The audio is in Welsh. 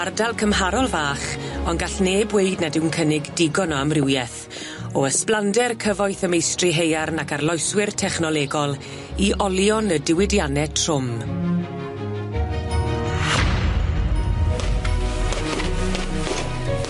Ardal cymharol fach on' gall neb weud nad yw'n cynnig digon o amrywieth o ysblander cyfoeth y meistri haearn ac arloeswyr technolegol i olion y diwydianne trwm.